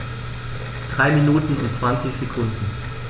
3 Minuten und 20 Sekunden